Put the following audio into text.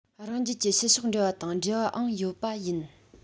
རང རྒྱལ གྱི ཕྱི ཕྱོགས འབྲེལ བ དང འབྲེལ བའང ཡོད པ ཡིན